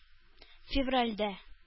Февральдә